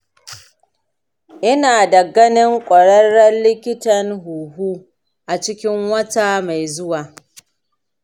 ina da ganin ƙwarraren likitan huhu a cikin wata mai zuwa.